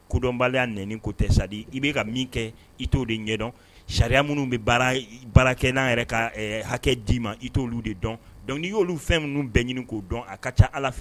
Kodɔnbaliya nɛni ko tɛ c'est à dire i bɛ ka min kɛ, i t'o de ɲɛdɔn, sariya minnu bɛ baara kɛ n'an yɛrɛ ka hakɛ di ma i t'olu de dɔn donc n'i y'olu fɛn minnu bɛɛ ɲini k'o dɔn a ka ca Ala fɛ